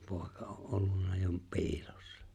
poika oli ollut jo piilossa